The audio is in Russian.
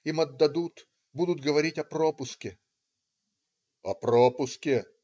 им отдадут - будут говорить о пропуске". - "О пропуске?